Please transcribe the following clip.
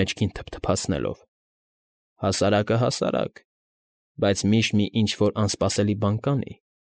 Մեջքին թփթփացնելով։֊ Հասարակը՝ հասարակ, բայց միշտ մի ինչ֊որ անսպասելի բան կանի։